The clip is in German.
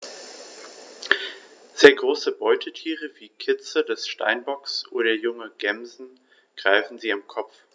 Sehr große Beutetiere wie Kitze des Steinbocks oder junge Gämsen greifen sie am Kopf.